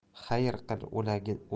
xayr qil o'ladigandek